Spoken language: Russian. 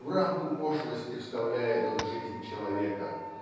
В рамку пошлости вставляет он жизнь человека.